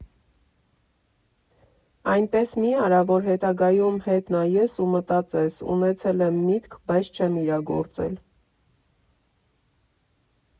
Այնպես մի՛ արա, որ հետագայում հետ նայես ու մտածես՝ ունեցել եմ միտք, բայց չեմ իրագործել։